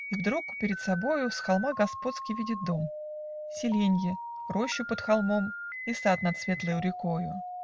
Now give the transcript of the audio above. И вдруг перед собою С холма господский видит дом, Селенье, рощу под холмом И сад над светлою рекою.